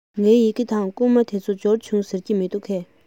ངའི ཡི གེ དང བསྐུར མ དེ ཚོ འབྱོར བྱུང ཟེར གྱི མི འདུག གས